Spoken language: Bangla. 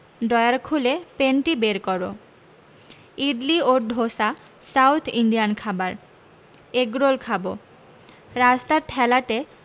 ড্রয়ার খুলে পেনটি বের করো ইডলি ও ধোসা সাউথ ইন্ডিয়ান খাবার এগরোল খাবো রাস্তার ঠেলাতে